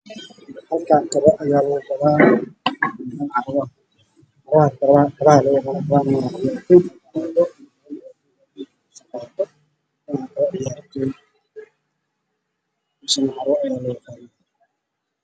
Meeshaan waxaa iga muuqdo kaba faro badan isboortis kalarkooda waxaa ka mid ah madow jaallo cagaar caddaan